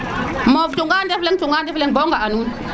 moof cunga ndef leng cunga ndef leng bo nga a nuun